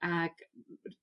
Ag